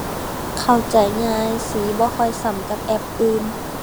เข้าใจง่าย สีบ่ค่อยซ้ำกับแอปอื่น